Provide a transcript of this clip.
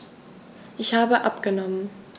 Ich habe abgenommen.